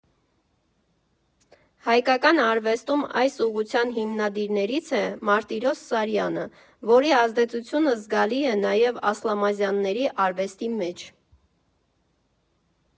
Հայկական արվեստում այս ուղղության հիմնադիրներից է Մարտիրոս Սարյանը, որի ազդեցությունը զգալի է նաև Ասլամազյանների արվեստի մեջ։